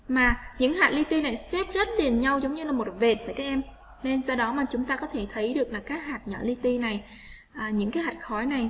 những hạt li ti lại xếp rất hiền nhau giống như một con vịt nên tao đó mà chúng ta có thể thấy được là các hạt nhỏ li ti này những cái hại khói này